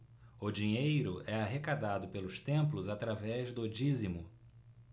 o dinheiro é arrecadado pelos templos através do dízimo